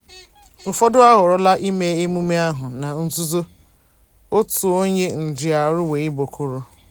Ụfọdụ ahọrọla ime emume ahụ na nzuzo. Otu onye njiarụ Weibo kwuru: